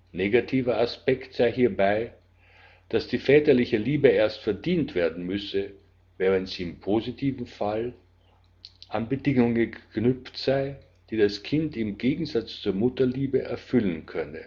Negativer Aspekt sei hierbei, dass die väterliche Liebe erst verdient werden müsse, während sie im positiven Fall an Bedingungen geknüpft sei, die das Kind im Gegensatz zur Mutterliebe erfüllen könne